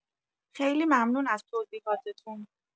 خیلی ممنون از توضیحاتتون